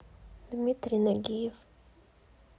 дмитрий нагиев